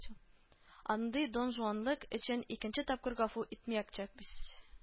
Андый донжуанлык өчен икенче тапкыр гафу итмәячәкбез